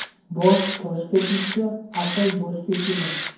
bosh toshga tegsa aql boshga kelar